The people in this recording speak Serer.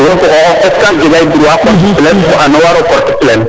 wo fo xoxof est ce que jegay droit porter plainte fo an waeo porter plainte